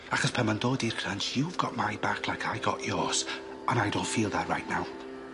Achos pan ma'n dod i'r crunch you've got my back like I got yours an' I don't feel that right now.